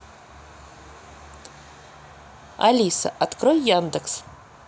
алиса открой яндекс